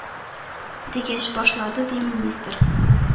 — дигәч, башлады, ди, министр: